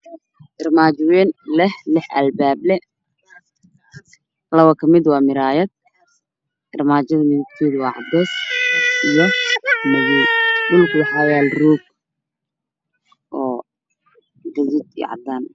Waa armaajo leh lix albaab kalar leedo rp waa dahabi cadaan qaxwi madow dhulkaa shuca